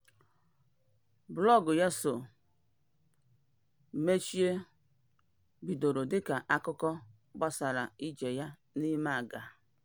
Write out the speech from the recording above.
Blọọgụ ya, So Close, bidoro dịka akụkọ gbasara ije ya n'ịme àgà.